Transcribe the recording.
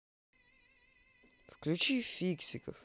включи фиксиков